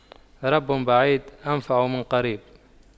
رب بعيد أنفع من قريب